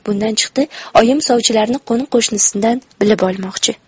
bundan chiqdi oyim sovchilarni qo'ni qo'shnisidan bilib olmoqchi